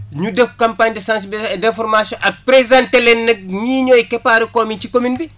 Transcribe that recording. ñu def campagne de seznsibilisation et d' information ak présenté leen nag ñii ñooy keppaari koom yi ci commune bi